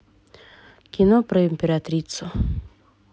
кино про императрицу